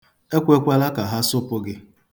Ekwekwala ka ha sụpụ gị.